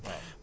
waaw